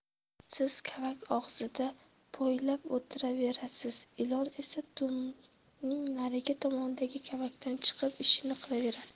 siz kavak og'zida poylab o'tiraverasiz ilon esa do'ngning narigi tomonidagi kavakdan chiqib ishini qilaveradi